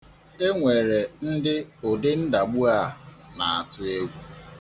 E nwere ndị ụdị ndagbu a na-atụ egwu.